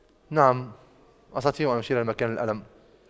نعم أستطيع ان أشير لمكان الألم